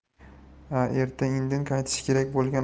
a erta indin qaytishi kerak